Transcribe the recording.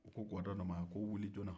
u ko gwada ma ko wuli jona